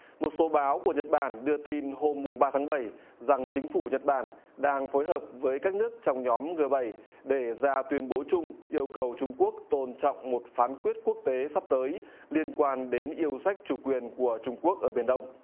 một số báo của nhật bản đưa tin hôm mùng ba tháng bảy rằng chính phủ nhật bản đang phối hợp với các nước trong nhóm gờ bảy để ra tuyên bố chung yêu cầu trung quốc tôn trọng một phán quyết quốc tế sắp tới liên quan đến yêu sách chủ quyền của trung quốc ở biển đông